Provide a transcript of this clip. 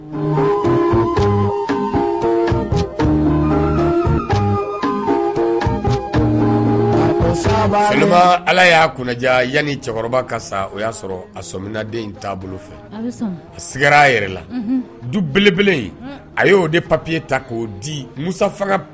Ala y'a yanani cɛkɔrɔba ka o y'a sɔrɔ a sɔminaden in t taaboloa bolo fɛ a sigira a yɛrɛ la du beleb a y ye o de papiye ta k'o di mu